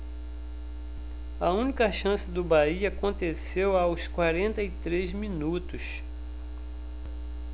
a única chance do bahia aconteceu aos quarenta e três minutos